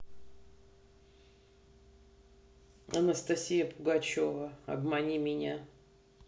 анастасия пугачева обмани меня